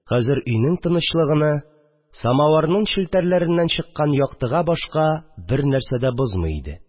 Хәзер өйнең тынычлыгыны самавырның челтәрләреннән чыккан яктыга башка бернәрсә дә бозмый иде